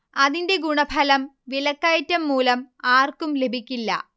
അതിന്റെ ഗുണഫലം വിലക്കയറ്റം മൂലം ആർക്കും ലഭിക്കില്ല